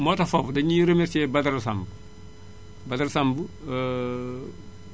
moo tax foofu dañuy remercié Badara Samb